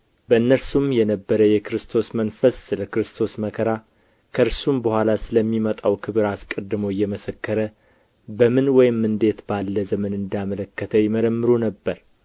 በእነርሱም የነበረ የክርስቶስ መንፈስ ስለ ክርስቶስ መከራ ከእርሱም በኋላ ስለሚመጣው ክብር አስቀድሞ እየመሰከረ በምን ወይም እንዴት ባለ ዘመን እንዳመለከተ ይመረምሩ ነበር